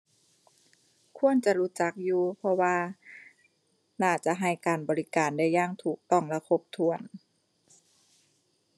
ควรจะรู้จักอยู่ เพราะว่า น่าจะให้การบริการได้อย่างถูกต้องและครบถ้วน